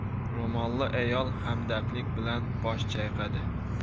ro'molli ayol hamdardlik bilan bosh chayqadi